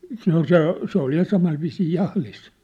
se oli se se oli ja samalla viisiin jahdissa